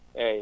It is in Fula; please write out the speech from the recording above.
eeyi